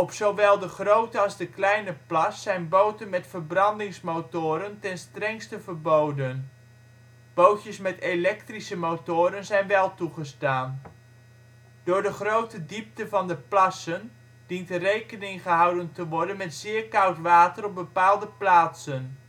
zowel de grote als de kleine plas zijn boten met verbrandingsmotoren ten strengste verboden; bootjes met elektrische motoren zijn wel toegestaan. Door de grote diepte van de plassen dient rekening gehouden te worden met zeer koud water op bepaalde plaatsen